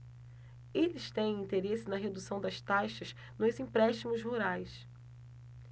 eles têm interesse na redução das taxas nos empréstimos rurais